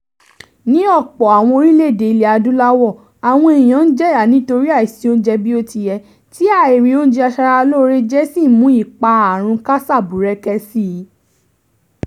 Ní ọ̀pọ̀ àwọn orílẹ̀-èdè ilẹ̀ Adúláwọ̀ àwọn èèyàn ń jẹ́yà nítorí àìsí oúnjẹ bí ó ti yẹ, tí àìrí oúnjẹ aṣaralóore jẹ́ sì ń mú ipa àrùn KASA búrẹ́kẹ́ síi.